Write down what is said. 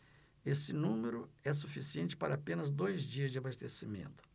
esse número é suficiente para apenas dois dias de abastecimento